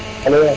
alo wa